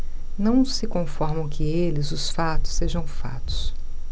não se conformam que eles os fatos sejam fatos